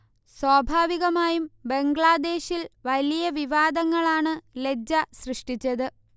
സ്വാഭാവികമായും ബംഗ്ലാദേശിൽ വലിയ വിവാദങ്ങളാണ് ലജ്ജ സൃഷ്ടിച്ചത്